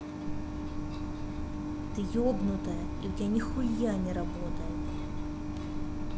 ты ебнутая и у тебя нихуя не работает